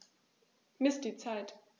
Miss die Zeit.